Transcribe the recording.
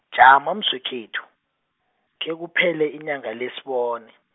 jama mswekhethu, khekuphele inyanga le sibone.